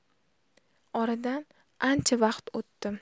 oradan ancha vaqt o'tdi